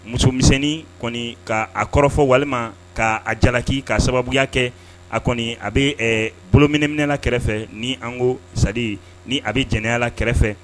Muso misɛnnin kɔni ka a kɔrɔfɔ walima ka a jalaki ka sababuya kɛ a kɔni a bɛ ɛɛ bolominɛminɛ na kɛrɛfɛ ni an ko c'est à dire ni a bɛ jɛnɛya la kɛrɛfɛ